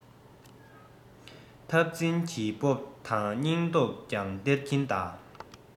འཐབ འཛིང གི སྤོབས པ དང སྙིང སྟོབས ཀྱང སྟེར གྱིན གདའ